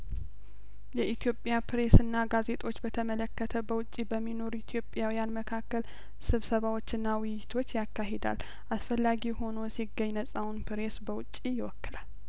ለኢትዮጵያ ፕሬስና ጋዜጦች በተመለከተ በውጭ በሚኖሩ ኢትዮጵያውያን መካከል ስብሰባዎችና ውይይቶች ያካሂዳል አስፈላጊ ሆኖ ሲገኝ ነጻውን ፕሬስ በውጭ ይወክላል